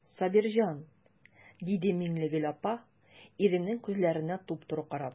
Сабирҗан,– диде Миннегөл апа, иренең күзләренә туп-туры карап.